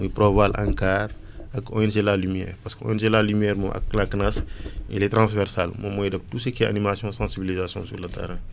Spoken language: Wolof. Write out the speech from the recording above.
muy PROVAL ANCAR ak ONG La Lumière parce que ONG La Lumière moom ak * il est transversal moom mooy def tout ce qui animation civilisation sur le terrain